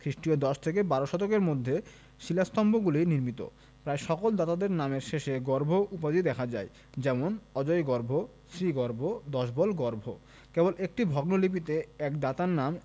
খ্রিস্টীয় দশ থেকে বারো শতকের মধ্যে শিলাস্তম্ভগুলি নির্মিত প্রায় সকল দাতাদের নামের শেষে গর্ভ উপাধি দেখা যায় যেমন অজয়গর্ভ শ্রীগর্ভ দশবলগর্ভ কেবল একটি ভগ্ন লিপিতে এক দাতার নাম